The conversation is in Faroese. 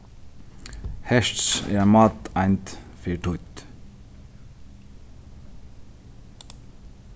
hertz er ein máteind fyri tídd